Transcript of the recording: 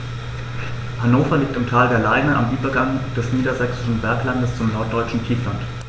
Hannover liegt im Tal der Leine am Übergang des Niedersächsischen Berglands zum Norddeutschen Tiefland.